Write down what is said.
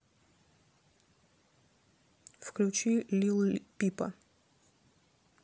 включи лил пипа